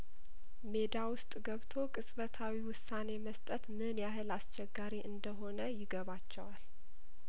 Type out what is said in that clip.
ሜዳ ውስጥ ገብቶ ቅጽበታዊ ውሳኔ መስጠት ምን ያህል አስቸጋሪ እንደሆነ ይገባቸዋል